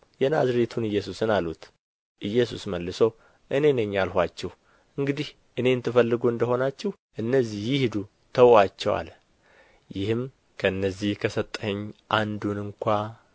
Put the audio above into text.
የናዝሬቱን ኢየሱስን አሉት ኢየሱስ መልሶ እኔ ነኝ አልኋችሁ እንግዲህ እኔን ትፈልጉ እንደ ሆናችሁ እነዚህ ይሂዱ ተዉአቸው አለ ይህም ከእነዚህ ከሰጠኸኝ አንዱን ስንኳ